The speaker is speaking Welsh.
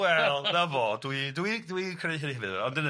Wel na fo dwi dwi dwi'n credu hynny hefyd ond dyna ni.